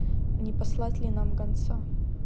не послать ли нам гонца